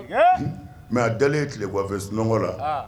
Mɛ a dalen ye tile bufɛ sun nɔnɔgɔɔgɔ la